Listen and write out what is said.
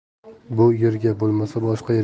bu yer bo'lmasa boshqa